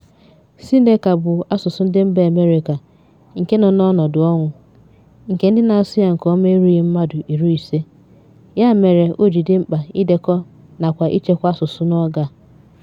Seneca bụ asụsụ ndị mba Amerịka nke nọ n'ọnọdụ ọnwụ, nke ndị na-asụ ya nke ọma erughị mmadụ iri ise (50), ya mere ọ ji dị mkpa idekọ nakwa ichekwa asụsụ n'oge.